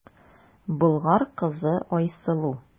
Болгар кызы Айсылу.